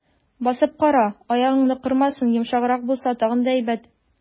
Басып кара, аягыңны кырмасын, йомшаграк булса, тагын да әйбәт.